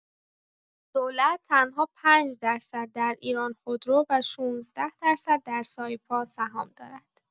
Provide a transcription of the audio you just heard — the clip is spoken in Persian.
دولت تنها ۵ درصد در ایران‌خودرو و ۱۶ درصد در سایپا سهام دارد.